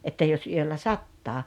että jos yöllä sataa